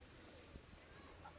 страшно красиво